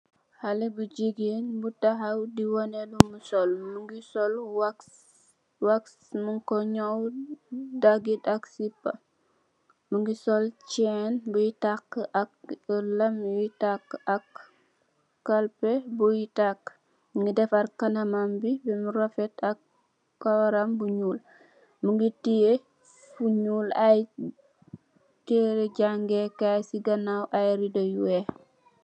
Haleh bu jigeen bu takhaw di waneh lum sul mungi sul lu wax, wax bi mung ku nyaw dagit ak sipah, mungi sul chain yuye takuh ak lamm yuye takuh kalpeh buye takuh mungi dafar kanamam bi ak kawaram bu nyul mungi teyeh si nyull aye tereh jange kai ak aye roduh